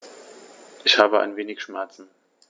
Ich habe ein wenig Schmerzen.